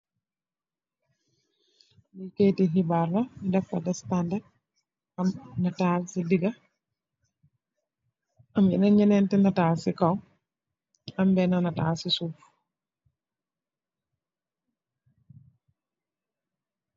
Li kayti xibaar la defa di standard am netal si dega am yenen neneti netal si kaw am bena netal si suuf.